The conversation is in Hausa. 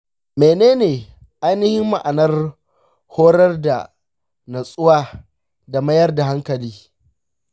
mene ne ainihin ma'anar horar da natsuwa da mayar da hankali?